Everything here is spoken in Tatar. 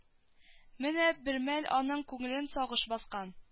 Менә бермәл аның күңелен сагыш баскан